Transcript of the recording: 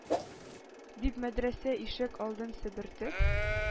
Дип, мәдрәсә ишек алдын себертеп,